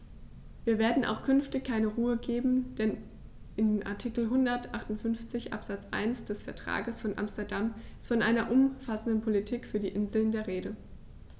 Wir werden auch künftig keine Ruhe geben, denn in Artikel 158 Absatz 1 des Vertrages von Amsterdam ist von einer umfassenden Politik für die Inseln die Rede.